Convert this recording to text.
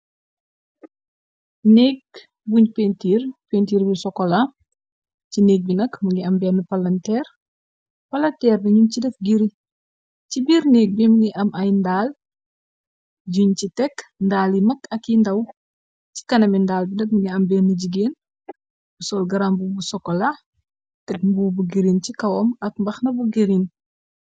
Nékk buñ pentiir pentiir bi socola ci nég bi nak mu ngi am benn palanteer palanteer bi num ci def giri ci biir néeg bi m ngi am ay ndaal juñ ci tekk ndaal yi mag ak yi ndaw ci kana mi ndaal bi nag mu ngi am beirni jigeen bu sool gramb bu sokola tek mbuo bu girin ci kawaom ak mbax na bu girin.